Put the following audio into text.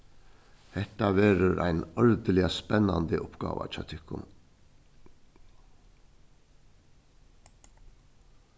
hetta verður ein ordiliga spennandi uppgáva hjá tykkum